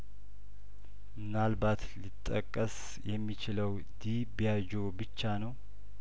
ምናልባት ሊጠቀስ የሚችለው ዲቢያጅዮ ብቻ ነው